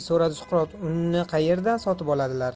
suqrot unni qaerdan sotib oladilar